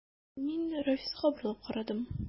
Мин Рафиска борылып карадым.